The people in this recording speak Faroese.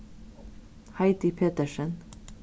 heidi petersen